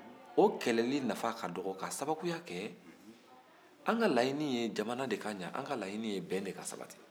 an ka laɲni de ye jamana ka ɲa an ka laɲini ye bɛn de ka sabati